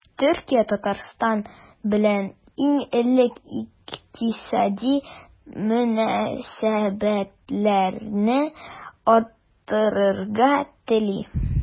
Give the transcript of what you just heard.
Төркия Татарстан белән иң элек икътисади мөнәсәбәтләрне арттырырга тели.